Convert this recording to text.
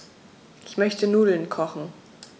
Ich möchte Nudeln kochen.